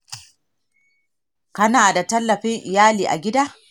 kana da tallafin iyali a gida?